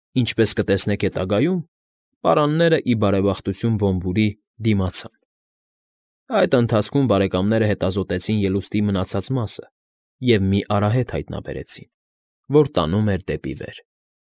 Ինչպես կտեսնեք հետագայում, պարանները, ի բարեբախտություն Բոմբուրի դիմացան… Այդ ընթացքում բարեկամները հետազոտեցին ելուստի մնացած մասը և մի արահետ հայտնաբերեցին, որ տանում էր դեպի վեր։